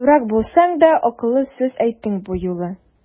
Дурак булсаң да, акыллы сүз әйттең бу юлы!